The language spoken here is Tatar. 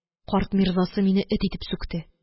Карт мирзасы мине эт итеп сүкте.